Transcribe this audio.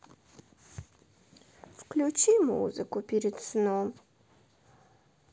включи музыку перед сном